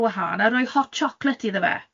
ar wahan, a rhoi hot chocolate iddo fe.